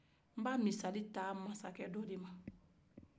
n b'a misali ta masakɛ dɔ de ma